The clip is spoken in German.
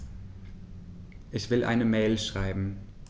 Ich will eine Mail schreiben.